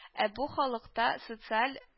Ә бу халыкта социаль